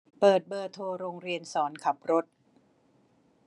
เปิดเบอร์โทรโรงเรียนสอนขับรถ